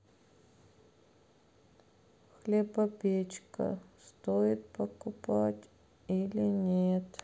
хлебопечка стоит покупать или нет